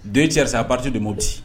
Don cɛ sara a pati de mo bi